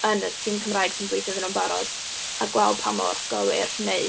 yn y tîm Cymraeg sy'n gweithio iddyn nhw'n barod, a gweld pa mor gywir, neu...